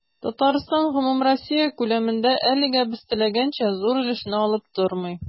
Татарстан гомумроссия күләмендә, әлегә без теләгәнчә, зур өлешне алып тормый.